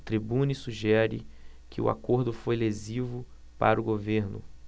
o tribune sugere que o acordo foi lesivo para o governo